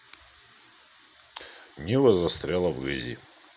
нива застряла в грязи